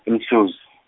iMhluzi.